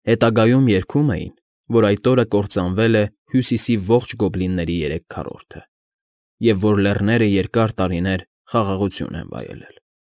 Հետագայում երգում էին, որ այդ օրը կործանվել է Հյուսիսի ողջ գոբլինների երեք քառորդը, և որ լեռները երկար տարիներ խաղաղություն են վայելել։